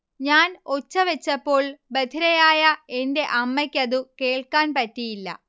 ഞാൻ ഒച്ച വെച്ചപ്പോൾ ബധിരയായ എന്റെ അമ്മയ്ക്കതു കേൾക്കാൻ പറ്റിയില്ല